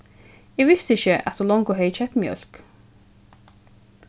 eg visti ikki at tú longu hevði keypt mjólk